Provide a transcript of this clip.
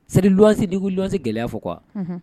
c'est à dire loyer ni bɛ loyer gɛlɛya fɔ quoi unhun